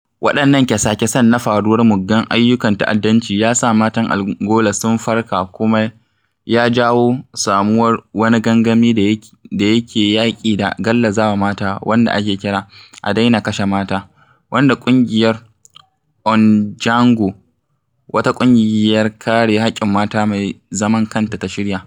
Waɗannan kyasakyasan na faruwar muggan ayyukan ta'addanci ya sa matan Angola sun farka kuma ya jawo samuwar wani gangami da yake yaƙi da gallazawa mata wanda ake kira "A daina kashe mata," wanda ƙungiyar Ondjango, wata ƙungiyar kare haƙƙin mata mai zaman kanta ta shirya.